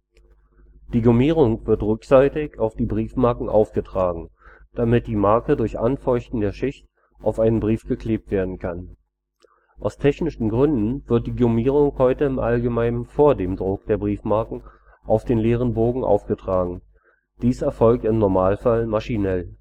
Die Gummierung wird rückseitig auf die Briefmarken aufgetragen, damit die Marke durch Anfeuchten der Schicht auf einen Brief geklebt werden kann. Aus technischen Gründen wird die Gummierung heute im Allgemeinen vor dem Druck der Briefmarken auf den leeren Bogen aufgetragen; dies erfolgt im Normalfall maschinell